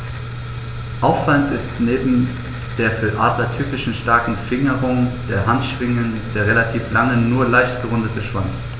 Auffallend ist neben der für Adler typischen starken Fingerung der Handschwingen der relativ lange, nur leicht gerundete Schwanz.